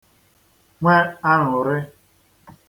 nwe aṅụ̀rị